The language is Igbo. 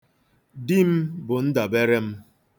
Di m bụ ndabere m.